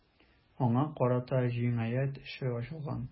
Аңа карата җинаять эше ачылган.